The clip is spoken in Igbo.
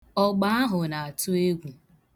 Ọgba ahụ na-atụ egwu.